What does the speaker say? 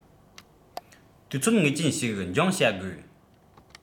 དུས ཚོད ངེས ཅན ཞིག འགྱངས བྱ དགོས